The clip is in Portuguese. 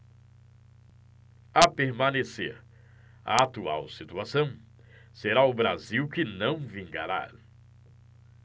a permanecer a atual situação será o brasil que não vingará